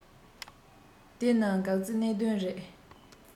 དེ ནི འགག རྩའི གནད དོན རེད